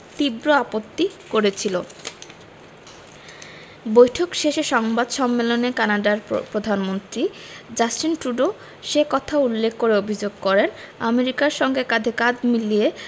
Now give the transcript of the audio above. তীব্র আপত্তি করেছিল বৈঠক শেষে সংবাদ সম্মেলনে কানাডার প্রধানমন্ত্রী জাস্টিন ট্রুডো সে কথা উল্লেখ করে অভিযোগ করেন আমেরিকার সঙ্গে কাঁধে কাঁধ মিলিয়ে